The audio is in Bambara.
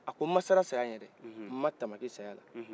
a ko n ma siran saya ɲɛ dɛ n ma taamaki sayala